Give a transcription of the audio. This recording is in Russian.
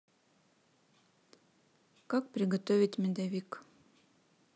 как приготовить медовик